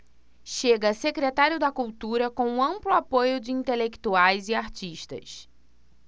chega a secretário da cultura com amplo apoio de intelectuais e artistas